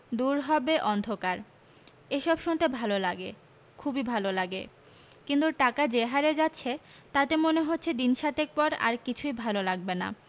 দূর হবে অন্ধকার এইসব শুনতে ভাল লাগে খুবই ভাল লাগে কিন্তু টাকা যে হারে যাচ্ছে তাতে মনে হচ্ছে দিন সাতেক পর আর কিছুই ভাল লাগবে না